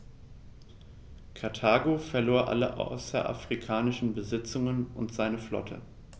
Karthago verlor alle außerafrikanischen Besitzungen und seine Flotte.